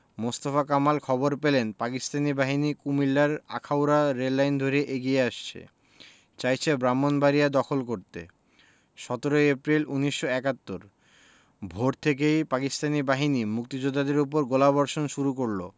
মোস্তফা কামাল খবর পেলেন পাকিস্তানি বাহিনী কুমিল্লার আখাউড়া রেললাইন ধরে এগিয়ে আসছে চাইছে ব্রাহ্মনবাড়িয়া দখল করতে ১৭ এপ্রিল ১৯৭১ ভোর থেকেই পাকিস্তানি বাহিনী মুক্তিযোদ্ধাদের উপর গোলাবর্ষণ শুরু করল